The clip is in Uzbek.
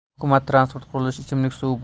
hukumat transport qurilish ichimlik suvi